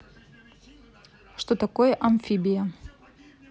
что такое амфибия